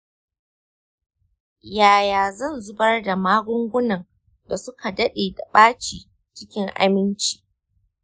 yaya zan zubar da magungunan da suka dade da ɓaci cikin aminci?